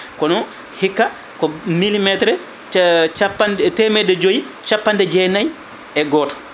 kon hikka ko millimétre ca capanɗe temedde joyyi capanɗe jeenayyi e goto